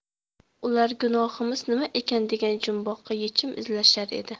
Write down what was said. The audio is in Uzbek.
ular gunohimiz nima ekan degan jumboqqa yechim izlashar edi